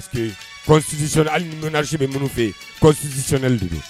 Si alisi bɛ minnu fɛsisi s